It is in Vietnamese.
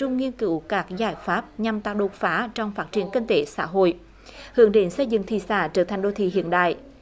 trung nghiên cứu các giải pháp nhằm tạo đột phá trong phát triển kinh tế xã hội hướng đến xây dựng thị xã trở thành đô thị hiện đại